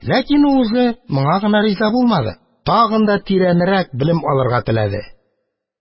Ләкин ул үзе моңа гына риза булмады, тагын да тирәнрәк белем алырга теләде.